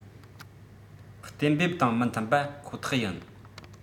གཏན འབེབས དང མི མཐུན པ ཁོ ཐག ཡིན